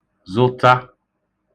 zụta